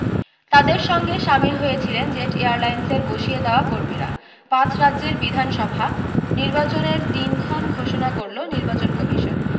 তাদের সঙ্গে সামিল হয়েছিলেন জেট এয়ারলাইন্সের বসিয়ে দেওয়া কর্মীরা পাঁচ রাজ্যের বিধানসভা নির্বাচনের দিনক্ষণ ঘোষণা করল নির্বাচন কমিশন